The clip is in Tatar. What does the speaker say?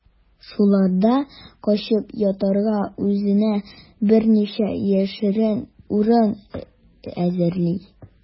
Шуларда качып ятарга үзенә берничә яшерен урын әзерли.